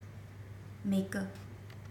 མེད གི